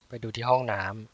ไปดูที่ห้องน้ำ